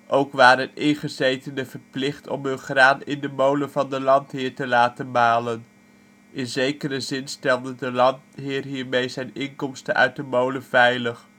Ook waren ingezetenen verplicht om hun graan op de molen van de landheer te laten malen (molendwang). In zekere zin stelde de landheer hiermee zijn inkomsten uit de molen veilig